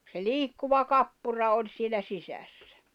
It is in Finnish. se liikkuva kappura oli siellä sisässä